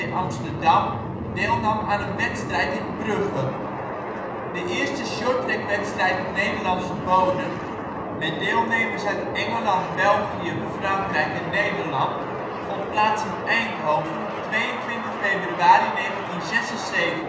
Amsterdam deelnam aan een wedstrijd in Brugge (België). De eerste shorttrackwedstrijd op Nederlandse bodem, met deelnemers uit Engeland, België, Frankrijk en Nederland, vond plaats in Eindhoven op 22 februari 1976